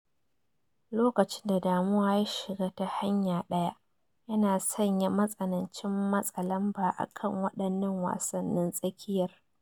Lokacin da damuwa ya shiga ta hanya ɗaya, yana sanya matsanancin matsa lamba a kan waɗannan wassanin tsakiyar.